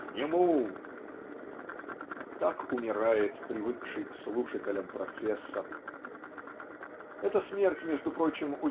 К нему!" Так умирает привыкший к слушателям профессор. Эта смерть между прочим